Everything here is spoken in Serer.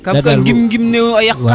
kam ŋim ŋim newo a yaqa